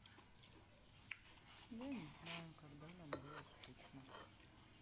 я не знаю когда нам было скучно